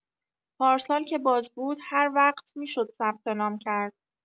پارسال که باز بود هروقت می‌شد ثبت‌نام کرد